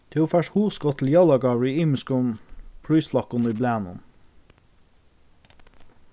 tú fært hugskot til jólagávur í ymiskum prísflokkum í blaðnum